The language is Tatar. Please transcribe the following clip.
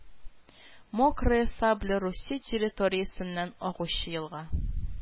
Мокрая Сабля Русия территориясеннән агучы елга